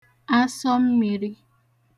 asọmmīrī